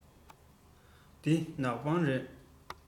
འདི ནག པང རེད